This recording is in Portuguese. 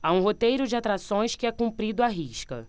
há um roteiro de atrações que é cumprido à risca